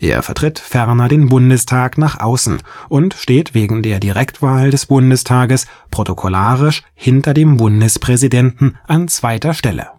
Er vertritt ferner den Bundestag nach außen und steht wegen der Direktwahl des Bundestages protokollarisch hinter dem Bundespräsidenten an zweiter Stelle